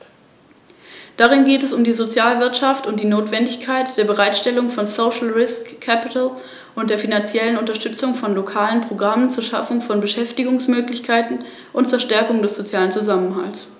Außerdem belegen Kontrollen in belgischen, finnischen wie auch in japanischen Häfen, dass 50 % der Container mit zum Teil gefährlicher Ladung nicht ordnungsgemäß angeliefert werden.